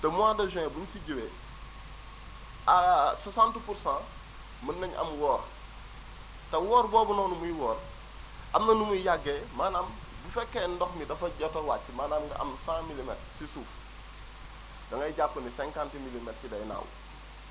te mois de juin bu ñu si jógee à 60 pour cent mën nañu am woor te woor boobu noonu muy woor am na nu muy yàggee maanaam bu fekkee ndox mi dafa jot a wàcc maanaam nga am 100 milimètres si suuf da ngay jàpp ne 50 milimètres yi day naaw